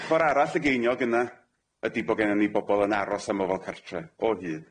Ochor arall y geiniog yna ydi bo gennyn ni bobol yn aros am ofal cartre o hyd.